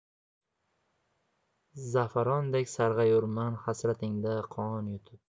zafarondek sarg'ayurman hasratingda qon yutib